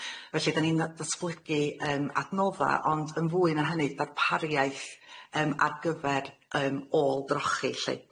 Felly 'dan ni'n yy datblygu yym adnodda', ond yn fwy na hynny darpariaeth yym ar gyfer yym ôl-drochi lly.